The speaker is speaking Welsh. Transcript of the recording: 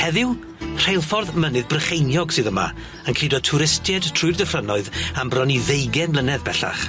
Heddiw, rheilffordd mynydd Brycheiniog sydd yma yn cludo twristiaid trwy'r dyffrynnoedd am bron i ddeugen mlynedd bellach.